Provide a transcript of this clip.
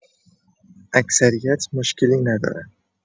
اکثریت مشکلی ندارن.